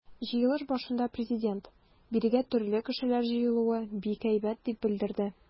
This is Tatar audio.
Җыелыш башында Президент: “Бирегә төрле кешеләр җыелуы бик әйбәт", - дип белдерде.